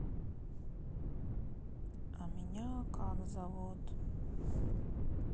а меня как зовут